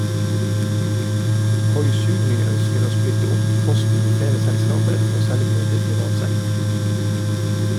Koizumi ønsker å splitte opp posten i flere selskaper og selge det til privat sektor.